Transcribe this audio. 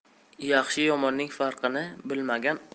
yaxshi yomonning farqini bilmagan